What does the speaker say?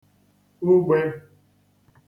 ugbē